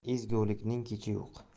ezgulikning kechi yo'q